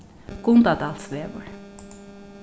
gundadalsvegur